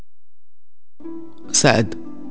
سعد